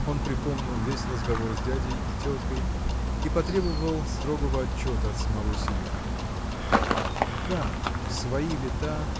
Он припомнил весь разговор с дядей и теткой и потребовал строгого отчета от самого себя. Как в свои лета